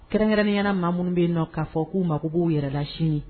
Kɛrɛn ɲɛnaɲɛna maa minnu bɛ nɔ k'a fɔ k'u mako b'u yɛrɛ lac ye